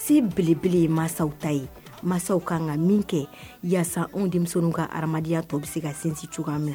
Se belebele ye masaw ta ye mansaw kaan ka min kɛ yaasa anw denmisɛnninw ka hadenyaya tɔ bɛ se ka sinsin cogoyakan minɛ